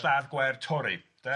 Lladd gwair torri, de?